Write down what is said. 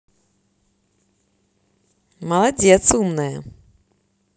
молодец умная